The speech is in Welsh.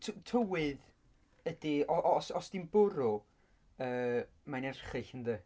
t- tywydd ydi... O- o- Os di'n bwrw yy mae'n erchyll yndi?